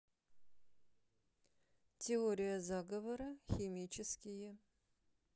теория заговора химические